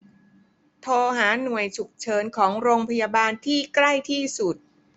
โทรหาหน่วยฉุกเฉินของโรงพยาบาลที่ใกล้ที่สุด